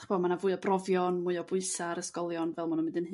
'Dach ch'bo' ma' 'na fwy o brofion mwy o bwysa' ar ysgolion fel ma' nhw'n mynd yn